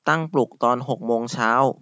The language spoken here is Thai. ตั้งปลุกตอนหกโมงเช้า